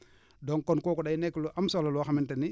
donc kon kooku day nekk lu am solo loo xamante ne